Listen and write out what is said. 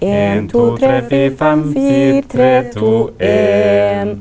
ein to tre fire fem fire tre to ein.